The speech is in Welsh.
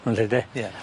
Mae'n deud 'de? Ie.